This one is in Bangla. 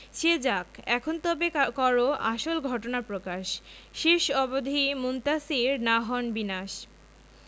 সে যাক এখন তবে করো আসল ঘটনা প্রকাশ শেষ অবধি মুনতাসীর না হন বিনাশ